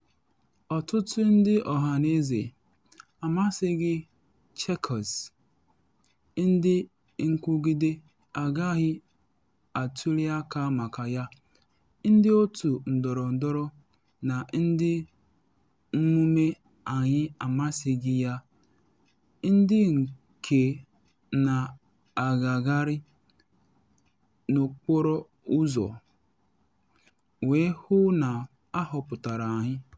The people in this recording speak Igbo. ‘Ọtụtụ ndị ọhaneze amasịghị Chequers, Ndị Nkwugide agaghị atuli aka maka ya, ndị otu ndọrọndọrọ na ndị mmume anyị amasịghi ya, ndị nke na agagharị n’okporo ụzọ wee hụ na ahọpụtara anyị.